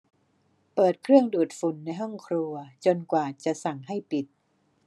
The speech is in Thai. เปิดเครื่องดูดฝุ่นในห้องครัวจนกว่าจะสั่งให้ปิด